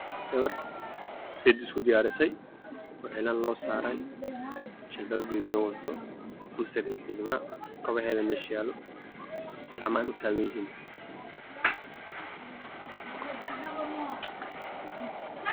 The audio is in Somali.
Meeshaan waxaa fadhido gabar cilaan loo saaray oo wadata rajab guduudan